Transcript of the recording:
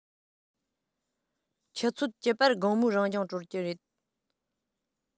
ཆུ ཚོད བཅུ པར དགོང མོའི རང སྦྱོང གྲོལ གྱི རེད